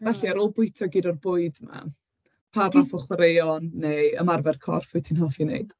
Felly ar ôl bwyta gyd o'r bwyd 'ma, pa fath o chwaraeon neu ymarfer corff wyt ti'n hoffi wneud?